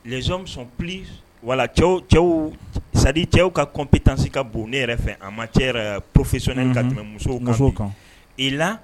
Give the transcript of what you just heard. Les hommes sont plus, voilà cɛw cɛw c'est à dire cɛw ka compétence ka bon ne yɛrɛ fɛ en matière professionnelle ka tɛmɛ muso kan